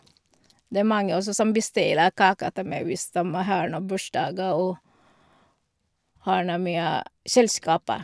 Det er mange også som bestiller kaker ta meg hvis dem har noe bursdager og har noe mye selskaper.